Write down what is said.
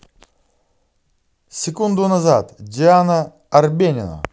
секунду назад диана арбенина